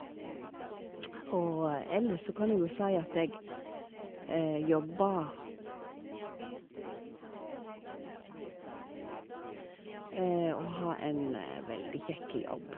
Og ellers så kan jeg jo si at jeg jobber Og har en veldig kjekk jobb.